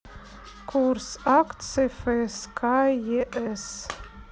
курс акций фск еэс